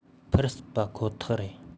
འཕར སྲིད པ ཁོ ཐག རེད